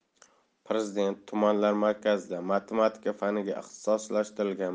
prezident tumanlar markazida matematika faniga ixtisoslashtirilgan